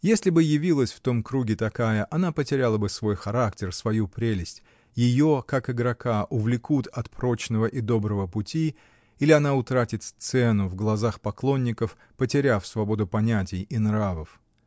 Если бы явилась в том круге такая, она потеряла бы свой характер, свою прелесть: ее, как игрока, увлекут от прочного и доброго пути, или она утратит цену в глазах поклонников, потеряв свободу понятий и нравов.